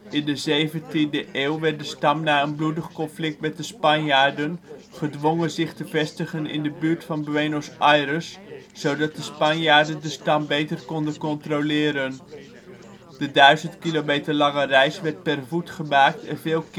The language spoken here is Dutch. de 17e eeuw werd de stam na een bloedig conflict met de Spanjaarden gedwongen zich te vestigen in de buurt van Buenos Aires, zodat de Spanjaarden de stam beter konden controleren. De 1.000 kilometer lange reis werd per voet gemaakt en veel